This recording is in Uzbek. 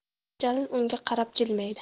jalil unga qarab jilmaydi